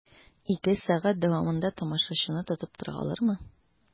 Ике сәгать дәвамында тамашачыны тотып тора алырмы?